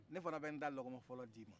ne fana bɛ n ta lɔgɔma fɔlɔ d'i ma